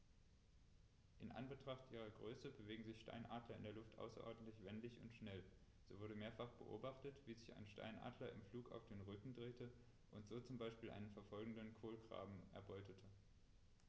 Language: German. In Anbetracht ihrer Größe bewegen sich Steinadler in der Luft außerordentlich wendig und schnell, so wurde mehrfach beobachtet, wie sich ein Steinadler im Flug auf den Rücken drehte und so zum Beispiel einen verfolgenden Kolkraben erbeutete.